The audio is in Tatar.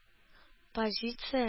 Позиция